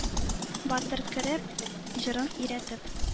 Батыр көрәп: җырын өйрәтеп,